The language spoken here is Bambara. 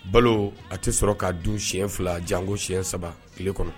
Balo, a tɛ sɔrɔ ka du senɲɛn 2 jango senɲɛn 3, tile kɔnɔ.